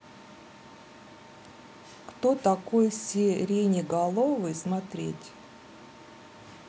кто такой сиреноголовый смотреть